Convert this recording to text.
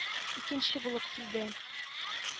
Икенче булып килде.